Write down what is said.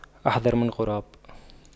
أحذر من غراب